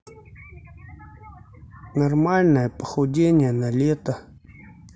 нормальное похудение на лето